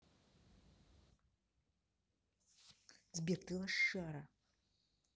сбер ты лошара